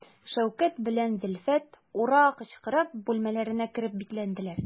Шәүкәт белән Зөлфәт «ура» кычкырып бүлмәләренә кереп бикләнделәр.